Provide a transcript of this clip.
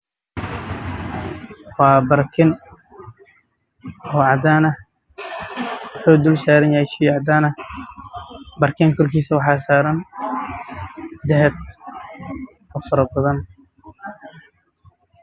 Waa barkin cadaan ah korkeeda waxaa saaran dahab